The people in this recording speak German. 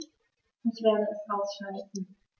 Ich werde es ausschalten